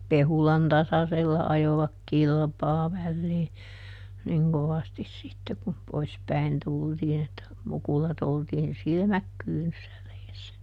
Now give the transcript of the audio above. Pehulan tasaisella ajoivat kilpaa väliin niin kovasti sitten kun pois päin tultiin että mukulat oltiin silmät kyynyssä reessä